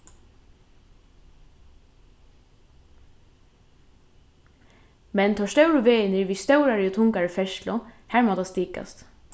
men teir stóru vegirnir við stórari og tungari ferðslu har má tað stikast